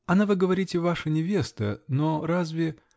Она, вы говорите, ваша невеста. Но разве .